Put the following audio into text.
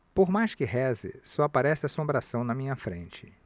por mais que reze só aparece assombração na minha frente